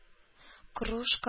Кружка